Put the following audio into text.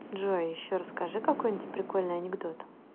джой еще расскажи какой нибудь прикольный анекдот